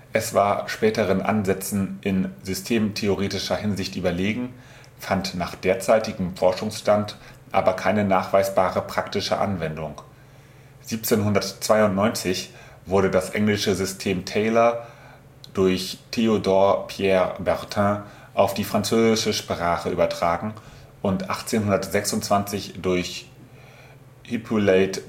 Es war späteren Ansätzen in systemtheoretischer Hinsicht überlegen, fand nach derzeitigem Forschungsstand aber keine nachweisbare praktische Anwendung. 1792 wurde das englische System Taylor durch Théodore-Pierre Bertin auf die französische Sprache übertragen und 1826 durch Hippolyte